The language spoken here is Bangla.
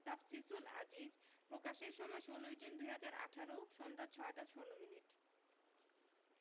তাফসিলুল আজিজ প্রকাশের সময় ১৬জুন ২০১৮ সন্ধ্যা ৬টা ১৬ মিনিট